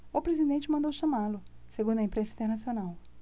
o presidente mandou chamá-lo segundo a imprensa internacional